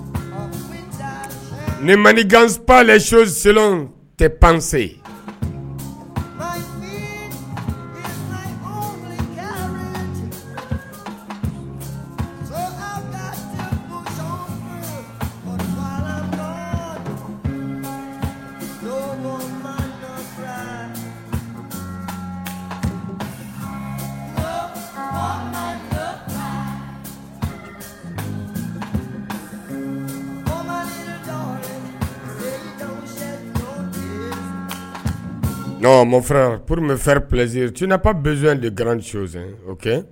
Ni man ganple so tɛ panse bɛ fɛrɛ psi tiina pa bɛz de garan sonsan